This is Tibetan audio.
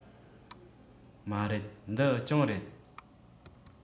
མ རེད འདི གྱང རེད